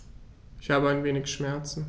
Ich habe ein wenig Schmerzen.